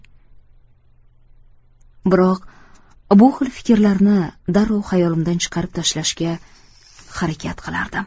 biroq bu xil fikrlarni darrov xayolimdan chiqarib tashlashga harakat qilardim